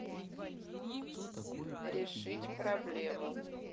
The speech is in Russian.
решить проблему